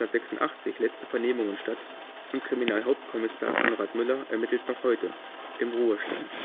1986 letzte Vernehmungen statt, und Kriminalhauptkommissar Konrad Müller ermittelt noch heute – im Ruhestand